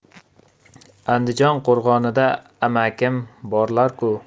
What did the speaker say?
andijon qo'rg'onida amakim borlar ku